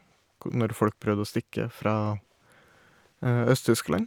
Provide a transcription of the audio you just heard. kod Når folk prøvde å stikke fra Øst-Tyskland.